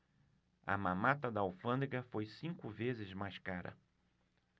a mamata da alfândega foi cinco vezes mais cara